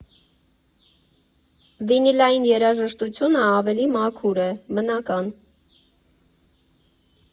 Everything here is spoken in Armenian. Վինիլային երաժշտությունը ավելի մաքուր է՝ բնական։